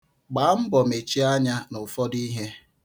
Gbaa mbọ mechie anya n'ụfọdụ ihe.